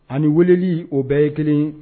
Ani weleli o bɛɛ ye kelen